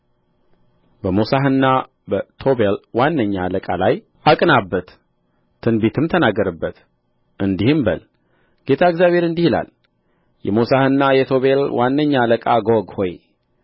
በሞሳሕና በቶቤል ዋነኛ አለቃ ላይ አቅናበት ትንቢትም ተናገርበት እንዲህም በል ጌታ እግዚአብሔር እንዲህ ይላል የሞሳሕና የቶቢል ዋነኛ አለቃ ጎግ ሆይ